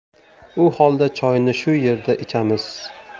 u holda choyni shu yerda ichamiz